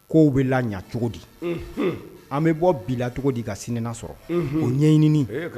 Ko bɛ cogo di an bɛ bɔ bila cogo di sin sɔrɔ o ɲɛɲɲiniini